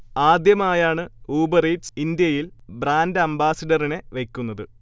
ആദ്യമായാണ് Uber Eats ഇന്ത്യയിൽ ബ്രാൻഡ് അംബാസഡറിനെ വയ്ക്കുന്നത്